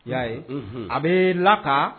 i y'a ye a bɛ l'a kan